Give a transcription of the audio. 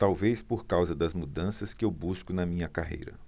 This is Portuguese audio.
talvez por causa das mudanças que eu busco na minha carreira